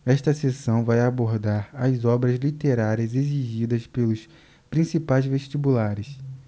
esta seção vai abordar as obras literárias exigidas pelos principais vestibulares